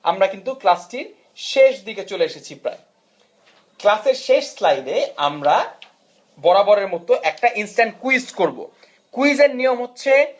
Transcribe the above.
আমরা কিন্তু ক্লাস টির শেষ দিকে চলে এসেছি ক্লাসের শেষ স্লাইডে আমরা বরাবরের মতো একটা ইনস্ট্যান্ট কুইজ করব কুইজ এর নিয়ম হচ্ছে